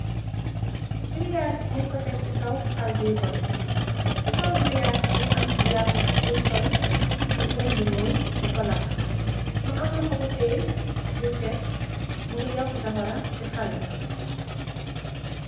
Giriyaas bi ñu ko teg ci kaw xal bi boi, ci kaw giriyaas mi nga am yàpp bun sol ci wëñ bu ñuul di kolakk. Mu am loxo bu tee birket mu nga yokk safara ci xale.